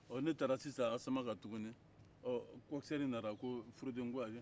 ne taara sisan asamaka tugunni kokisɛri nana ko forodi n ko ayi